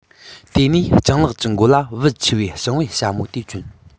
དེ ནས སྤྱང ལགས ཀྱི མགོ ལ བུ ཆེ བའི ཕྱིང པའི ཞྭ མོ དེ གྱོན